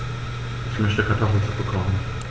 Ich möchte Kartoffelsuppe kochen.